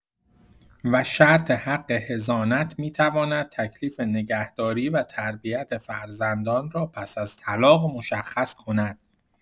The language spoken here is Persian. و شرط حق حضانت می‌تواند تکلیف نگهداری و تربیت فرزندان را پس از طلاق مشخص کند.